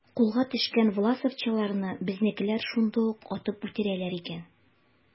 Кулга төшкән власовчыларны безнекеләр шунда ук атып үтерәләр икән.